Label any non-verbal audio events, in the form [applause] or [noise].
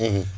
[hesitation] [hesitation]